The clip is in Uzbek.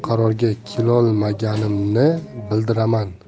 qarorga kelolmaganimni bildiraman